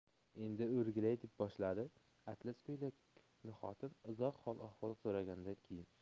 endi o'rgilay deb gap boshladi atlas ko'ylakli xotin uzoq hol ahvol so'rashganidan keyin